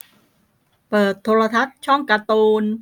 เปิดโทรทัศน์ช่องการ์ตูน